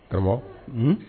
Ɔwɔ